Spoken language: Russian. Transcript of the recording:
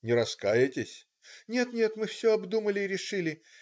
Не раскаетесь?" - "Нет, нет, мы все обдумали и решили.